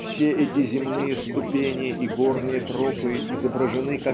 все эти земные ступени и горные тропы изображены